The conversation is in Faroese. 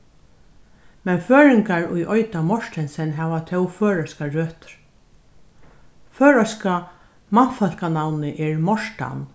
men føroyingar ið eita mortensen hava tó føroyskar røtur føroyska mannfólkanavnið er mortan